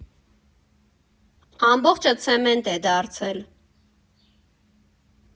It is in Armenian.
Ամբողջը ցեմենտ է դարձել։